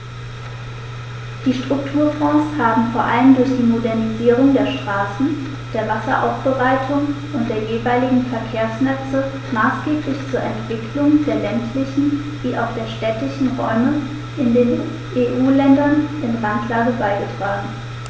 Die Strukturfonds haben vor allem durch die Modernisierung der Straßen, der Wasseraufbereitung und der jeweiligen Verkehrsnetze maßgeblich zur Entwicklung der ländlichen wie auch städtischen Räume in den EU-Ländern in Randlage beigetragen.